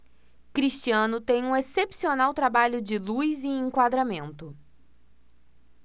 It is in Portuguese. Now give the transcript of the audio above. cristiano tem um excepcional trabalho de luz e enquadramento